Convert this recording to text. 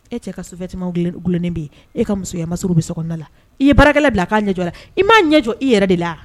E cɛ ka sous-vêtements w dulonnen bɛ yen, e ka musoya masiriw bɛ so kɔnɔna la i ye baarakɛla bila a k'a ɲɛ jɔ a la, i m'a ɲɛ jɔ i yɛrɛ de la wa?